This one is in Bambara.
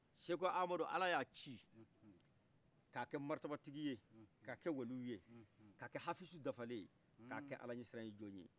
ceku amadou ala y'a ci ka kɛ martaba tigiye ka waliyouye ka kɛ hafizu dafaleye ka kɛ ala ɲɛ siraɲɛ jɔnye